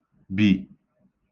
bì